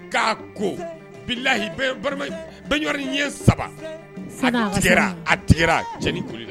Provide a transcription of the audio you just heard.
K'a kohi ye saba saga a tigɛ a cɛnli la